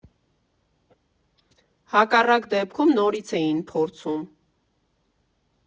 Հակառակ դեպքում նորից էին փորձում։